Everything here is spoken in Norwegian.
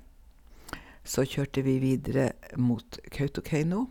Så kjørte vi videre mot Kautokeino.